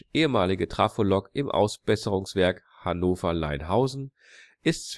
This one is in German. ehemalige Trafolok im Ausbesserungswerk Hannover-Leinhausen) ist